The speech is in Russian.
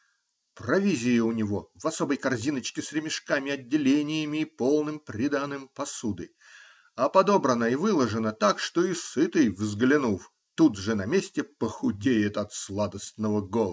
Провизия у него в особой корзиночке с ремешками, отделениями и полным приданым посуды, а подобрана и выложена так, что и сытый, взглянув, тут же на месте похудеет от сладостного голода.